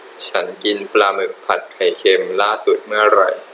ฉันกินปลาหมึกผัดไข่เค็มล่าสุดเมื่อไหร่